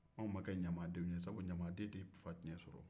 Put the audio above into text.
anw ma kɛ ɲamadenw ye sabu ɲamaden tɛ fa ciɲɛ sɔrɔ